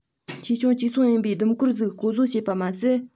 ཆེ ཆུང གཅིག མཚུངས ཡིན པའི ཟླུམ གོར གཟུགས བརྐོ བཟོ བྱེད པ མ ཟད